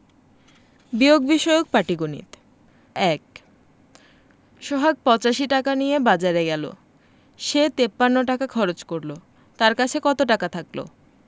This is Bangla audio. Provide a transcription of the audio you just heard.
বিয়োগ বিষয়ক পাটিগনিত ১ সোহাগ ৮৫ টাকা নিয়ে বাজারে গেল সে ৫৩ টাকা খরচ করল তার কাছে কত টাকা থাকল